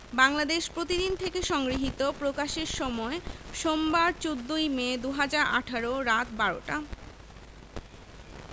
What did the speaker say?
বাংলাদেশ প্রতিদিন থেলে সংগৃহীত প্রকাশের সময় সোমবার ১৪ মে ২০১৮ রাত ১২টা